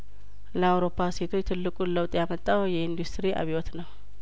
ለአውሮፓ ሴቶች ትልቁን ለውጥ ያመጣው የኢንዱስትሪ አብዮት ነው